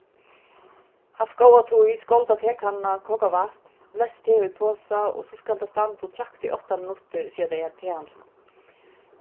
havt góða tíð skáldað tekannuna kókað vatn leyst te í posa og so skal tað standa og trakta í átta minuttir siga tehandlinum